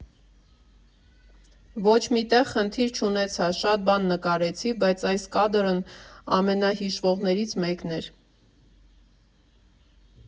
Ոչ մի տեղ խնդիր չունեցա, շատ բան նկարեցի, բայց այս կադրն ամենահիշվողններից մեկն էր։